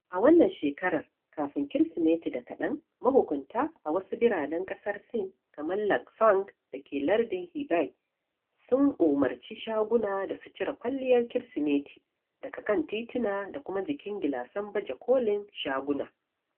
A wannan shekarar, kafin Kirsimeti da kaɗan, mahukunta a wasu biranen ƙasar Sin kamar Langfang da ke lardin Hebei, sun umarci shaguna da su cire kwalliyar Kirsimeti daga kan tituna da kuma cikin gilasan baje kolin shaguna.